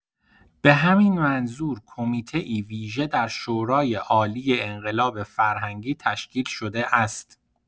به همین منظور کمیته‌ای ویژه در شورای‌عالی انقلاب فرهنگی تشکیل شده است.